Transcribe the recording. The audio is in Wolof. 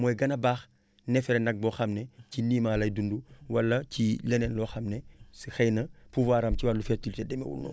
mooy gën a baax neefere nag boo xam ne ci niimaa lay dund wala ci leneen loo xam ne si xëy na pouvoir am ci wàllu fertilité demeewul noonu